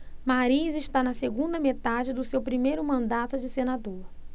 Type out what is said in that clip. mariz está na segunda metade do seu primeiro mandato de senador